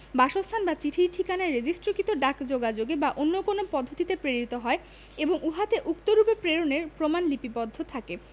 বাসস্থান বা চিঠির ঠিকানায় রেজিষ্ট্রিকৃত ডাকযোগে বা অন্য কোন পদ্ধতিতে প্রেরিত হয় এবং উহাতে উক্তরূপে প্রেরণের প্রমাণ লিপিবদ্ধ থাকে